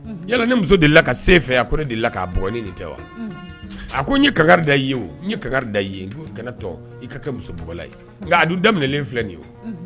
Yala ne muso de la ka sen fɛ a ko ne de la k'a bɔ nin tɛ wa a ko n ye ka da ye o ye ka da ye tɔ i ka kɛ musougla ye nka a dun daminɛlen filɛ nin de ye o